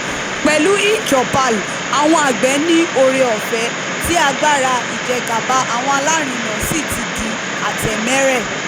Pẹ̀lú eChoupal, àwọn àgbẹ̀ ní oore-ọ̀fẹ́ tí agbára ìjẹgàba àwọn alárinnà sì ti di àtẹ̀mẹ́rẹ̀.